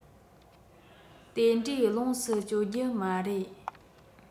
དེ འདྲའི ལོངས སུ སྤྱོད རྒྱུ མ རེད